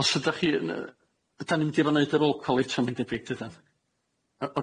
Os ydach chi'n yy ydan ni mynd i orfo neud yr ol col eto ma'n debyg dydan?